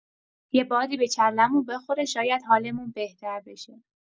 یه بادی به کله‌مون بخوره شاید حالمون بهتر بشه.